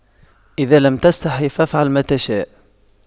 اذا لم تستحي فأفعل ما تشاء